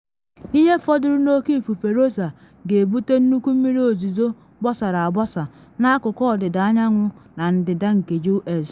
Ihe fọdụrụ na Oke Ifufe Rosa ga-ebute nnukwu mmiri ozizo gbasara agbasa n’akụkụ ọdịda anywa na ndịda nke US